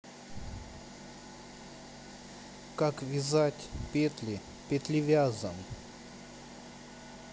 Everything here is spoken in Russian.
как вязать петли петлевязом